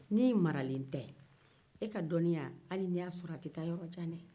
ni e maralen tɛ e ka dɔnniya hali ni i y'a sɔrɔ a tɛ taa yɔrojan dɛɛ